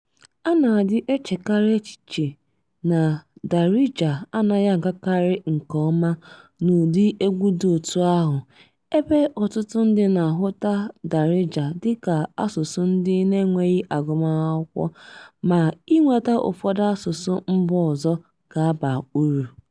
A na-adị echekarị echiche na Darija anaghị agakarị nke ọma n'ụdị egwu dị otú ahụ ebe ọtụtụ ndị na-ahụta Darija dịka asụsụ ndị n'enweghị agụmakwụkwọ, ma inweta ụfọdụ asụsụ mba ọzọ ga-aba uru.